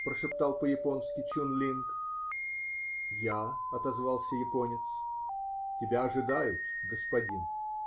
-- прошептал по-японски Чун-Линг. -- Я, -- отозвался японец. -- Тебя ожидают, господин.